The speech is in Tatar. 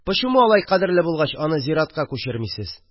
Почему алай кадерле булгач аны зиратка күчермисез